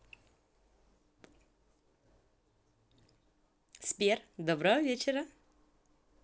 сбер доброго вечера